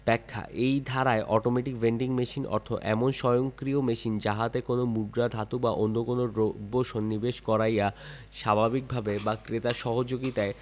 ব্যাখ্যাঃ এই ধারায় অটোমেটিক ভেন্ডিং মেশিন অর্থ এমন স্বয়ংক্রিয় মেশিন যাহাতে কোন মুদ্রা ধাতু বা অন্য কোন দ্রব্য সন্নিবেশ করাইয়া স্বাভাবিকভাবে বা ক্রেতার সহযোগিতায়